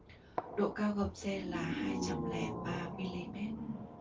độ cao gầm xe là hai trăm lẻ ba mi li mét